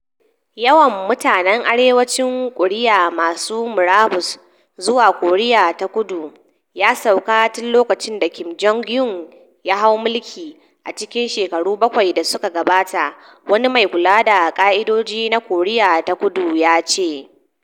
Yawan mutanen Arewacin Koriya masu murabus zuwa Korea ta Kudu ya sauka tun lokacin da Kim Jong-un ya hau mulki a cikin shekaru bakwai da suka gabata, wani mai kula da ka'idoji na Koriya ta kudu ya ce.